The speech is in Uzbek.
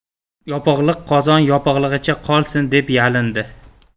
yopig'liq qozon yopig'lig'icha qolsin deb yalindi